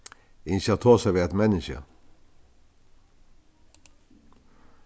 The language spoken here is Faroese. eg ynski at tosa við eitt menniskja